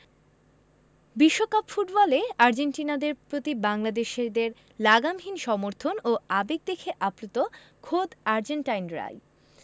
বিশ্বকাপ ফুটবলে আর্জেন্টিনাদের প্রতি বাংলাদেশিদের লাগামহীন সমর্থন ও আবেগ দেখে আপ্লুত খোদ আর্জেন্টাইনরাই